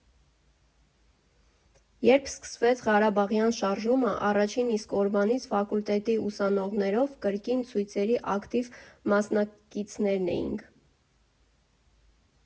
, երբ սկսվեց Ղարաբաղյան շարժումը, առաջին իսկ օրվանից ֆակուլտետի ուսանողներով կրկին ցույցերի ակտիվ մասնակիցներն էինք։